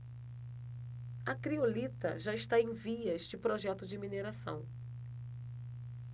a criolita já está em vias de projeto de mineração